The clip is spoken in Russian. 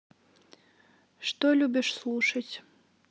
что любишь слушать